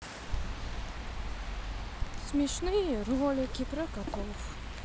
смешные ролики про котов